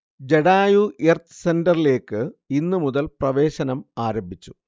Jatayu earth's സെന്ററിലേക്ക് ഇന്ന് മുതൽ പ്രവേശനം ആരംഭിച്ചു